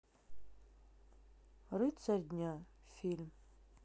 рыцарь дня фильм